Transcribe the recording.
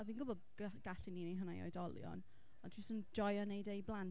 A fi'n gwybod g- gallen ni wneud hynna i oedolion, ond dwi jyst yn joio wneud e i blant.